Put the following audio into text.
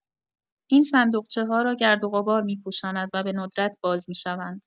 این صندوقچه‌ها را گردوغبار می‌پوشاند و به‌ندرت باز می‌شوند.